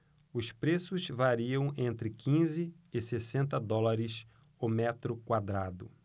os preços variam entre quinze e sessenta dólares o metro quadrado